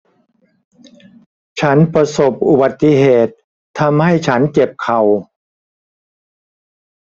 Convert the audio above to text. ฉันประสบอุบัติเหตุทำให้ฉันเจ็บเข่า